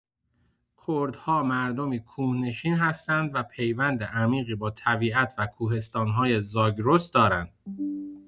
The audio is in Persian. کردها مردمی کوه‌نشین هستند و پیوند عمیقی با طبیعت و کوهستان‌های زاگرس دارند.